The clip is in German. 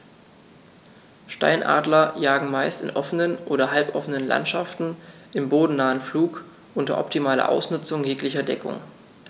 Steinadler jagen meist in offenen oder halboffenen Landschaften im bodennahen Flug unter optimaler Ausnutzung jeglicher Deckung.